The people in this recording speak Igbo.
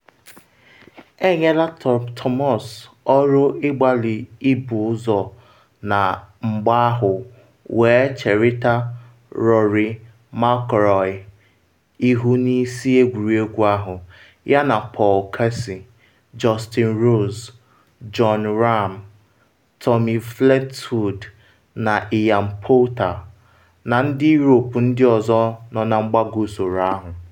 Enyela Thomas ọrụ ịgbalị ibu ụzọ na mgba ahụ wee cherịta Rory McIlroy ihu n’isi egwuregwu ahụ, yana Paul Casey, Justin Rose, Jon Rahm, Tommy Fleetwood na Ian Poulter na ndị Europe ndị ọzọ nọ na mgbago usoro ahụ.